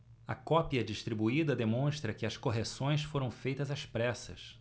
a cópia distribuída demonstra que as correções foram feitas às pressas